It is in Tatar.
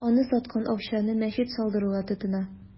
Аны саткан акчаны мәчет салдыруга тотына.